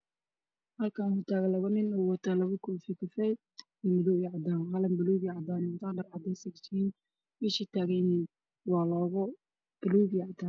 Halkaan waxaa taagan labo nin oo wato labo koofi kafay, madow iyo cadaan ah, qalin buluug iyo cadaan, dhar cadeys ah ayay gashan yihiin, meesha ay taagan yihiin waa loogo buluug iyo cadaan ah.